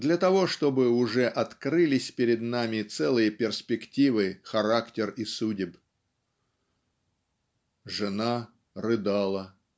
для того чтобы уже открылись перед нами целые перспективы характеров и судеб. "Жена рыдала.